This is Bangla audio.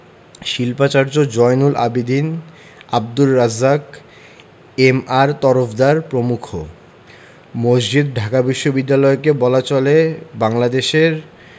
শিল্পাচার্য জয়নুল আবেদীন আবদুর রাজ্জাক এম.আর তরফদার প্রমুখ মসজিদ ঢাকা বিশ্ববিদ্যালয়কে বলা চলে বাংলাদেশের